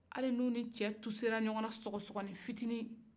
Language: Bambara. hali ni u ni cɛ tusera ɲɔgɔn na sɔgɔ-sɔgɔnin fitinin